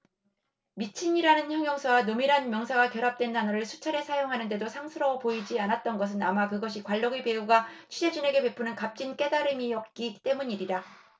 미친이라는 형용사와 놈이란 명사가 결합된 단어를 수차례 사용하는데도 상스러워 보이지 않았던 것은 아마 그것이 관록의 배우가 취재진에게 베푸는 값진 깨달음이었기 때문이리라